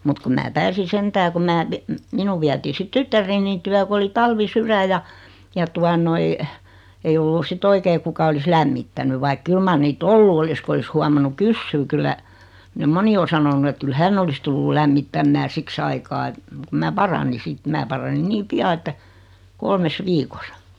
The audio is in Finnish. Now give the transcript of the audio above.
mutta kun minä pääsin sentään kun minä - minun vietiin sitten tyttäreni tykö kun oli talvisydän ja ja tuota noin ei ollut sitten oikein kuka olisi lämmittänyt vaikka kyllä mar niitä ollut olisi kun olisi huomannut kysyä kyllä nyt moni on sanonut että kyllä hän olisi tullut lämmittämään siksi aikaa että mutta kun minä paranin sitten minä paranin niin pian että kolmessa viikossa